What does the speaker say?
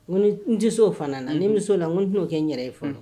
Ko n tɛso o fana na ni bɛ la n'o kɛ n yɛrɛ i